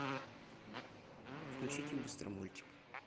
включите быстро мультик